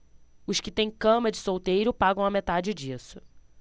os que têm cama de solteiro pagam a metade disso